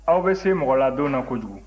aw bɛ se mɔgɔladon na kojugu